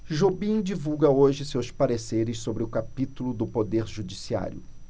jobim divulga hoje seus pareceres sobre o capítulo do poder judiciário